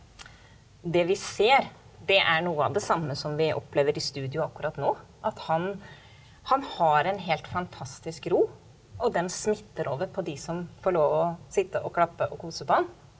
det vi ser det er noe av det samme som vi opplever i studioet akkurat nå at han han har en helt fantastisk ro og den smitter over på de som får lov å sitte og klappe og kose på han.